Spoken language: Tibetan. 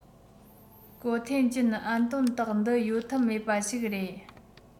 གོ ཐའེ ཅུན ཨན དོན དག འདི གཡོལ ཐབས མེད པ ཞིག རེད